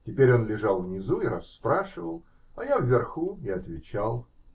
Теперь он лежал внизу и расспрашивал, я -- вверху и отвечал.